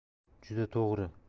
juda to'g ri